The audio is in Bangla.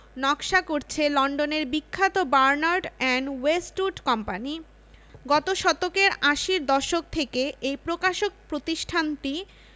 নকশা করছে লন্ডনের বিখ্যাত বার্নার্ড অ্যান্ড ওয়েস্টউড কোম্পানি গত শতকের আশির দশক থেকে এই প্রকাশক প্রতিষ্ঠানটি